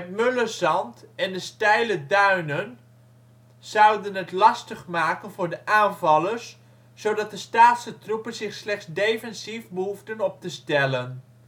mulle zand en de steile duinen zouden het lastig maken voor de aanvallers zodat de Staatse troepen zich slechts defensief behoefden op te stellen